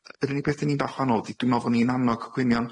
y- yr unig beth 'den ni'n bach yn wahanol ydi, dw' me'l bo ni'n annog cwynion.